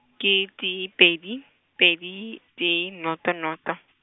ke tee pedi, pedi tee, noto noto.